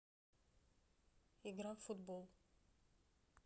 игра в футбол